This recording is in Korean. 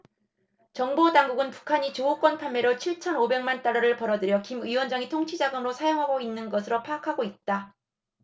정보당국은 북한이 조업권 판매로 칠천 오백 만 달러를 벌어들여 김 위원장의 통치자금으로 사용하고 있는 것으로 파악하고 있다